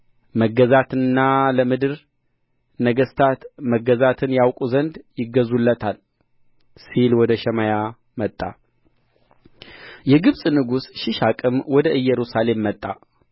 መገዛትንና ለምድር ነገሥታት መገዛትን ያውቁ ዘንድ ይገዙለታል ሲል ወደ ሸማያ መጣ የግብጽ ንጉሥ ሺሻቅም ወደ ኢየሩሳሌም መጣ